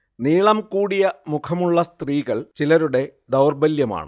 നീളം കൂടിയ മുഖമുള്ള സ്ത്രീകൾ ചിലരുടെ ദൗർബല്യമാണ്